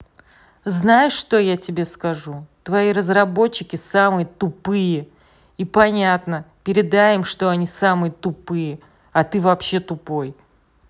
знаешь что тебе я скажу твои разработчики самые тупые и понятно передай им что они самые тупые а ты вообще тупой